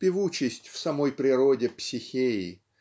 Певучесть - в самой природе Психеи